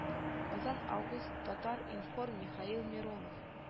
Казан август татар-информ михаил миронов